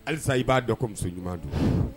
Halizsa i b'a dɔn kɔmuso ɲuman dun